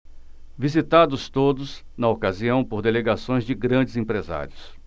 visitados todos na ocasião por delegações de grandes empresários